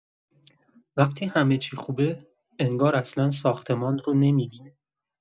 وقتی همه‌چی خوبه، انگار اصلا ساختمان رو نمی‌بینه.